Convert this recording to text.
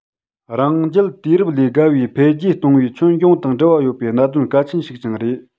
རང རྒྱལ དུས རབས ལས བརྒལ བའི འཕེལ རྒྱས གཏོང བའི ཁྱོན ཡོངས དང འབྲེལ བ ཡོད པའི གནད དོན གལ ཆེན ཞིག ཀྱང རེད